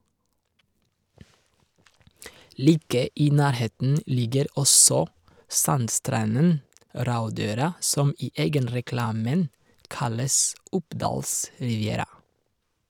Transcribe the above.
Like i nærheten ligger også sandstranden Raudøra som i egenreklamen kalles "Oppdals riviera".